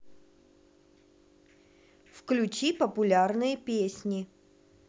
включи популярные песни